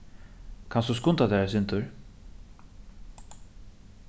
kanst tú skunda tær eitt sindur